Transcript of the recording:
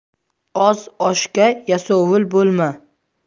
oz oshga yasovul bo'lma